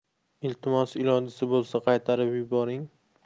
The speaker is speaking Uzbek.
iltimos iloji bo'lsa qaytarib yuboring